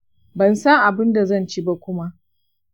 ban san abunda zan ci ba kuma.